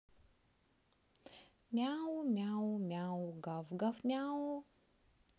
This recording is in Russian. мяу мяу мяу гав гав мяу